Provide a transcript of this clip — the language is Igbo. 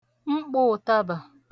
mkpọ̄ ụtaba